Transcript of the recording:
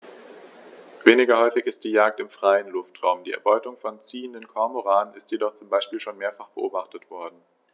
Weniger häufig ist die Jagd im freien Luftraum; die Erbeutung von ziehenden Kormoranen ist jedoch zum Beispiel schon mehrfach beobachtet worden.